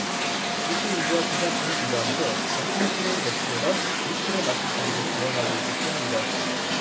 도시인구와 중산층이 증가하면서 전통술인 백주보다 위스키를 마시는 중국인이 늘어나고 있기 때문이다